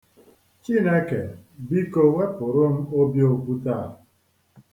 Chineke biko wepụrụ m obi okwute a.